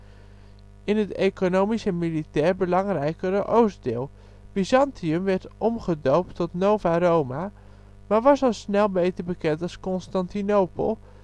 economisch en militair belangrijkere Oost-deel. Byzantium werd omgedoopt tot Nova Roma maar was al snel beter bekend als Constantinopel